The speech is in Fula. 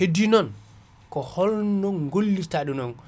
heddi non ko holno gollirta ɗum ɗon